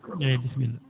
eyyi bisimilla